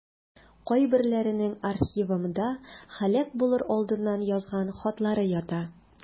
Кайберләренең архивымда һәлак булыр алдыннан язган хатлары ята.